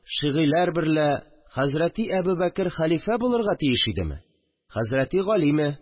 Шигыләр берлә: «Хәзрәти Әбүбәкер хәлифә булырга тиеш идеме, хәзрәти Галиме?»